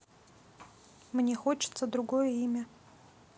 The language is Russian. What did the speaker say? мне хочется другое имя